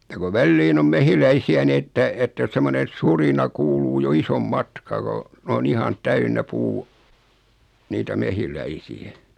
ja kun väliin on mehiläisiä niin että että semmoinen surina kuuluu jo ison matkaa kun on ihan täynnä puu niitä mehiläisiä